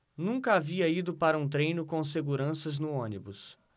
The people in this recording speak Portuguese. nunca havia ido para um treino com seguranças no ônibus